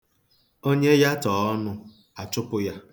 Onye yatọọ ọnụ, a chụpụ ya.